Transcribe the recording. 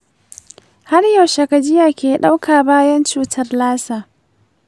har yaushe gajiya ke ɗauka bayan cutar lassa?